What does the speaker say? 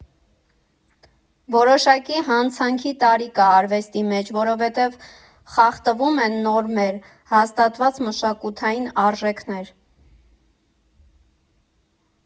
Որոշակի հանցանքի տարր կա արվեստի մեջ, որովհետև խախտվում են նորմեր, հաստատված մշակութային արժեքներ։